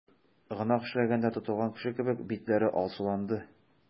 Гөнаһ эшләгәндә тотылган кеше кебек, битләре алсуланды.